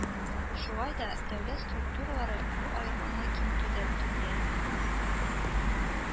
Шулай да дәүләт структуралары бу аерманы киметүдә бөтенләй